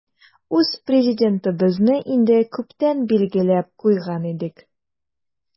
Үз Президентыбызны инде күптән билгеләп куйган идек.